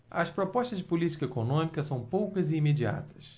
as propostas de política econômica são poucas e imediatas